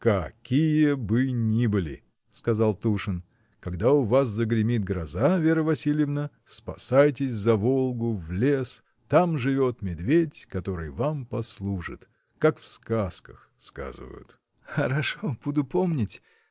— Какие бы ни были, — сказал Тушин, — когда у вас загремит гроза, Вера Васильевна, — спасайтесь за Волгу, в лес: там живет медведь, который вам послужит. как в сказках сказывают. — Хорошо, буду помнить!